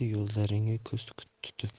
yo'llaringga ko'z tutib